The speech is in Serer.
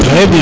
trés bien